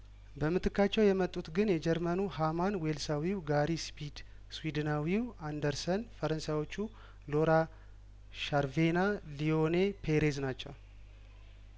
በምትካቸው የመጡት ግን የጀርመኑ ሀማን ዌልሳዊው ጋሪ ስፒድ ስዊድናዊው አንደርሰን ፈረንሳዮቹ ሎራ ሻር ቬና ሊዮኔ ፔሬዝ ናቸው